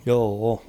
joo